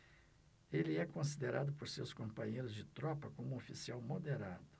ele é considerado por seus companheiros de tropa como um oficial moderado